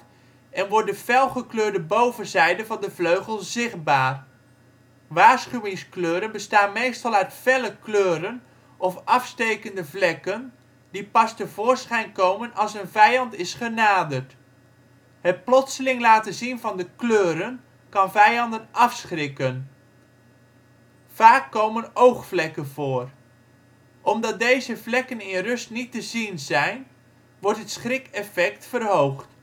en wordt de felgekleurde bovenzijde van de vleugels zichtbaar. Waarschuwingskleuren bestaan meestal uit felle kleuren of afstekende vlekken die pas tevoorschijn komen als een vijand is genaderd. Het plotseling laten zien van de kleuren kan vijanden afschrikken, vaak komen oogvlekken voor. Omdat deze vlekken in rust niet te zien zijn wordt het schrikeffect verhoogd